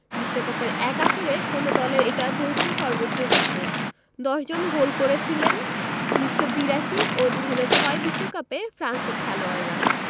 বিশ্বকাপের এক আসরে কোনো দলের এটা যৌথ সর্বোচ্চ রেকর্ড ১০ জন গোল করেছিলেন ১৯৮২ ও ২০০৬ বিশ্বকাপে ফ্রান্সের খেলোয়াড়রা